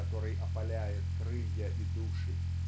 который опаляет крылья и души.